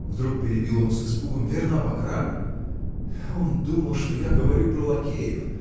– вдруг перебил он с испугом, – верно, обокрали? Он думал, что я говорю про лакеев